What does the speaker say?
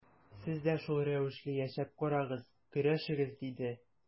Сез дә шул рәвешле яшәп карагыз, көрәшегез, диде.